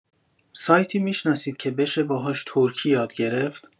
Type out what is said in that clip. سایتی می‌شناسید که بشه باهاش ترکی یاد گرفت؟